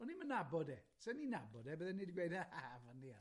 O'n i'm yn nabod e. Sen i'n nabod e, bydden i 'di gweud, ha ha ha, myn diawl.